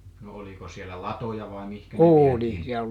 no oliko siellä latoja vai mihin ne vietiin